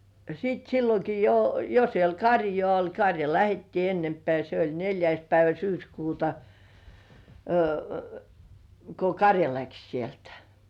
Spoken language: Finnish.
sitten silloinkin jo jo siellä karjaa oli karja lähdettiin ennempää se oli neljäs päivä syyskuuta kun karja lähti sieltä